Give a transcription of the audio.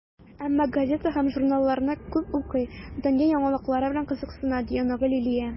Әмма газета һәм журналларны күп укый, дөнья яңалыклары белән кызыксына, - ди оныгы Лилия.